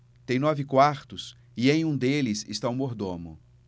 tem nove quartos e em um deles está o mordomo